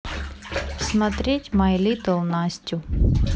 смотреть май литл настю